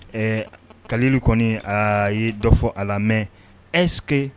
Ɛɛ kalilu kɔni aa ye dɔ fɔ a la mais est -c que